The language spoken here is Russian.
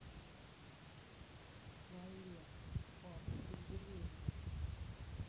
валерка бабушка гренни